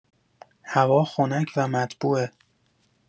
هوا خنک و مطبوعه.